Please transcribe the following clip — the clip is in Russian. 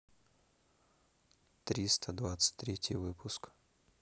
триста двадцать третий выпуск